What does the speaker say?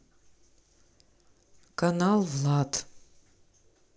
канал влад